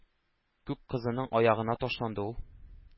Күк кызының аягына ташланды ул.